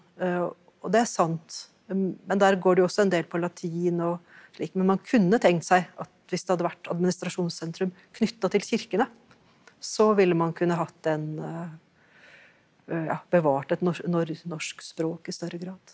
og det er sant men der går det jo også en del på latin og slikt men man kunne tenkt seg at hvis det hadde vært administrasjonssentrum knyttet til kirkene så ville man kunne hatt en ja bevart et norsk språk i større grad.